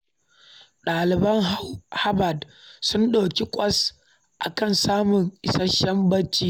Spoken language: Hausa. Ɗaliban Harvard sun ɗauki kwas a kan samun isasshen barci